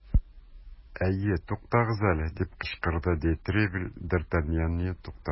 Әйе, тукагыз әле! - дип кычкырды де Тревиль, д ’ Артаньянны туктатып.